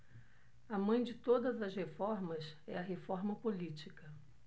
a mãe de todas as reformas é a reforma política